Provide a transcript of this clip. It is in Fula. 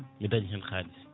mi daña hen haalis